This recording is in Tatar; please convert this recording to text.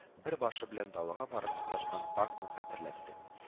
Бер башы белән далага барып тоташкан паркны хәтерләтте